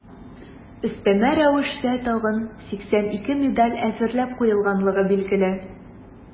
Өстәмә рәвештә тагын 82 медаль әзерләп куелганлыгы билгеле.